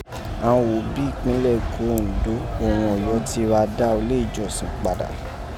An ghò bí ìpẹ́nlẹ̀ Eko, Ondo òghun Oyo ti ra dá ulé ìjọ̀sìn padà